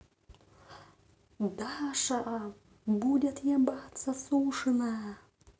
даша будет ебаться сушина